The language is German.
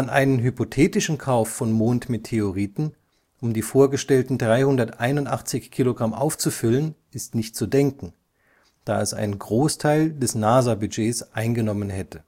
einen hypothetischen Kauf von Mondmeteoriten, um die vorgestellten 381 Kilogramm aufzufüllen, ist nicht zu denken, da es einen Großteil des NASA-Budgets eingenommen hätte